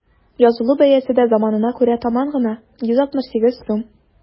Язылу бәясе дә заманына күрә таман гына: 168 сум.